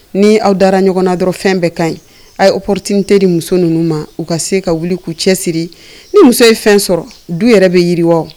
Ni aw dara ɲɔgɔnna dɔrɔn fɛn bɛɛ ka ɲi a ye o porotiteri muso ninnu ma u ka se ka wuli k'u cɛ siri ni muso ye fɛn sɔrɔ du yɛrɛ bɛ yiri wa